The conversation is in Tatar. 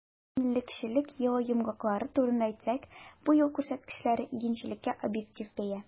Үсемлекчелек елы йомгаклары турында әйтсәк, бу ел күрсәткечләре - игенчелеккә объектив бәя.